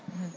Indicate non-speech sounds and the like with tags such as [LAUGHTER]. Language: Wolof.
[HESITATION] [HESITATION]